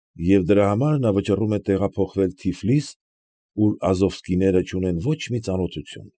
Եվ դրա համար նա վճռում է տեղափոխվել Թիֆլիս, ուր Ազովսկիները չունեն ոչ մի ծանոթություն։